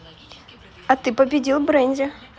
а ты победил бренди